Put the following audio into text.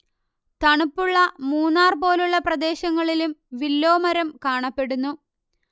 തണുപ്പുള്ള മൂന്നാർ പോലുള്ള പ്രദേശങ്ങളിലും വില്ലൊ മരം കാണപ്പെടുന്നു